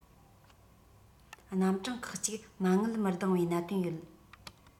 རྣམ གྲངས ཁག གཅིག མ དངུལ མི ལྡེང བའི གནད དོན ཡོད